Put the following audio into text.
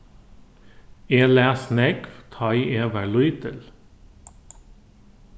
eg las nógv tá ið eg var lítil